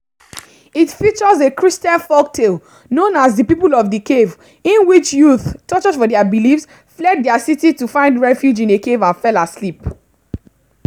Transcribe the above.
It features a Christian folktale known as the "People of the Cave", in which youth, tortured for their beliefs, fled their city to find refuge in a cave and fell asleep.